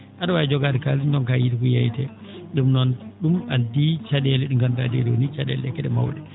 a?a waawi jogaade kAalis ndonkaa yiide ko yeeyetee ?um noon ?um addi ca?eele nde ngandu?a ?ee ?oo ni ca?eele ?e ke?e maw?e